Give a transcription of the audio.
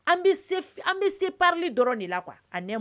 An, an bɛ se parir dɔrɔnw de la quoi en un mot